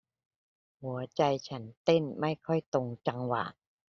หัวใจฉันเต้นไม่ค่อยตรงจังหวะ